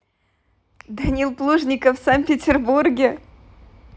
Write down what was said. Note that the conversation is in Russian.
данил плужников в санкт петербурге